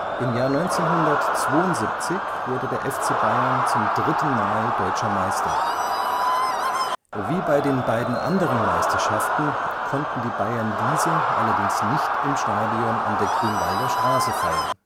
1972 wurde der FC Bayern zum dritten Mal deutscher Meister. Wie bei den beiden anderen Meisterschaften konnten die Bayern diese allerdings nicht im Stadion an der Grünwalder Straße feiern